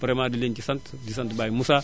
vraiment di leen si sant di sant Baye Moussa